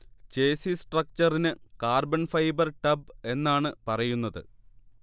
chassis സ്ട്രക്ചറിന് carbon fibre tub എന്നാണ് പറയുന്നത്